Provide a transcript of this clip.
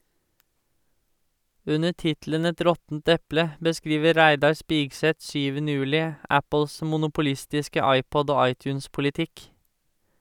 Under tittelen «Et råttent eple» beskriver Reidar Spigseth 7. juli Apples monopolistiske iPod- og iTunes-politikk.